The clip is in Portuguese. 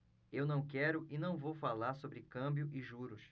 eu não quero e não vou falar sobre câmbio e juros